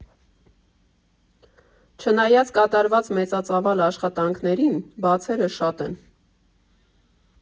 Չնայած կատարված մեծածավալ աշխատանքներին՝ բացերը շատ են։